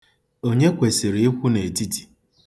Onye kwesịrị ịkwụ n'etiti?